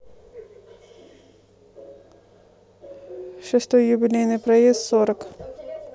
шестой юбилейный проезд сорок